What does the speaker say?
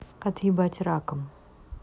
отъебать раком